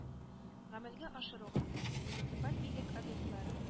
Гамәлгә ашыруга, муниципаль милек объектларын